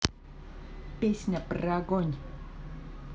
песня про огонь